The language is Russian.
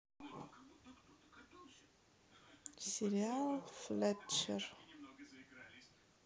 сериал флетчер